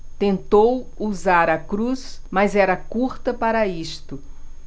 tentou usar a cruz mas era curta para isto